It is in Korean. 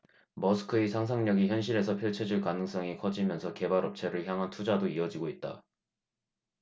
머스크의 상상력이 현실에서 펼쳐질 가능성이 커지면서 개발업체를 향한 투자도 이어지고 있다